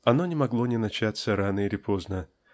Оно не могло не начаться рано или поздно